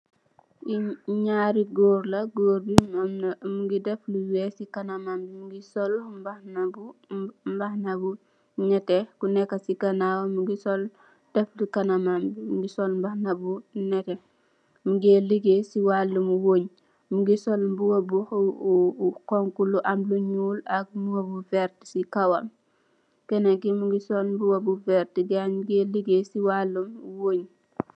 Nyari gorr la gorr bi mugi def lo weh si kanam mugi sol bahana bu nehteh kuneka so ganaw wam mugi sol Tek si kanam mugi sol bahana bu nehteh nyugeh legaye si walum wonch mugi sol mbuba khonkho ak lo nyul ak lo verti si kawam kenenki mugi sol mbuba bu verti Gai nyu geh legaye si waloum wonch